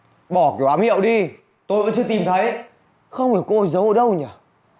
bỏ kiểu ám hiệu đi tôi vẫn chưa tìm thấy không hiểu cô ấy giấu ở đâu nhở